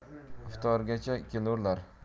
iftorgacha kelurlar